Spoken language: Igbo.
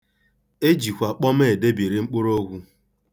E jikwa kpọm edebiri mkpụrụokwu.